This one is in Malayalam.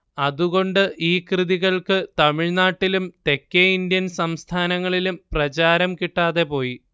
അതുകൊണ്ട് ഈ കൃതികൾക്ക് തമിഴ്നാട്ടിലും തെക്കേ ഇന്ത്യൻ സംസ്ഥാനങ്ങളിലും പ്രചാരം കിട്ടാതെപോയി